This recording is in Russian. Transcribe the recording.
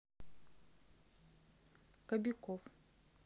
кобяков